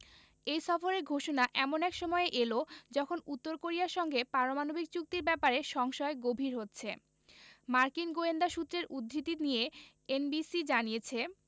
এই সফরের ঘোষণা এমন এক সময়ে এল যখন উত্তর কোরিয়ার সঙ্গে পারমাণবিক চুক্তির ব্যাপারে সংশয় গভীর হচ্ছে মার্কিন গোয়েন্দা সূত্রের উদ্ধৃতি দিয়ে এনবিসি জানিয়েছে